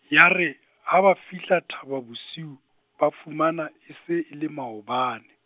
yare, ha ba fihla Thaba Bosiu, ba fumana e se e le maobane.